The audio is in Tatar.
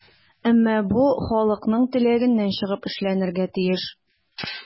Әмма бу халыкның теләгеннән чыгып эшләнергә тиеш.